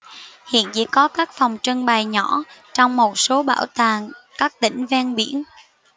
hiện chỉ có các phòng trưng bày nhỏ trong một số bảo tàng các tỉnh ven biển